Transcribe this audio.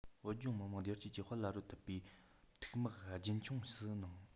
བོད ལྗོངས མི དམངས བདེ སྐྱིད ཀྱི དཔལ ལ རོལ ཐུབ པའི ཐུགས དམིགས རྒྱུན འཁྱོངས སུ གནང